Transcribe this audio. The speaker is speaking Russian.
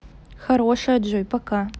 хорошая джой пока